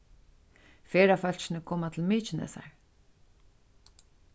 ferðafólkini koma til mykinesar